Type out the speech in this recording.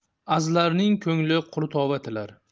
azlarning ko'ngli qurtova tilar